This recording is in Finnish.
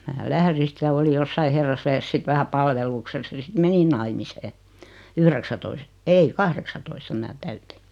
minä lähdin sitten ja olin jossakin herrasväessä sitten vähän palveluksessa ja sitten menin naimisiin yhdeksäntoista ei kahdeksantoista minä täytin